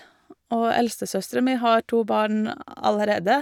Og eldstesøstera mi har to barn allerede.